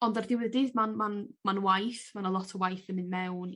Ond ar diwedd y dydd ma'n ma'n ma'n waith ma' 'na lot o waith yn mynd mewn